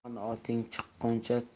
yomon oting chiqquncha